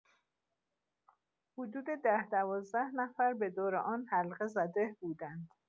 حدود ده، دوازده نفر به دور آن حلقه‌زده بودند.